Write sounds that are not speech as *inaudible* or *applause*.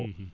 *hesitation* *hesitation*